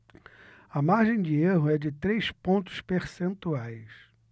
a margem de erro é de três pontos percentuais